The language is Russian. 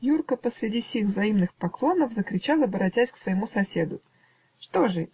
Юрко, посреди сих взаимных поклонов, закричал, обратясь к своему соседу: "Что же?